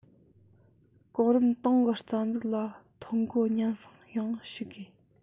གོང རིམ ཏང གི རྩ འཛུགས ལ ཐོ འགོད སྙན སེང ཡང ཞུ དགོས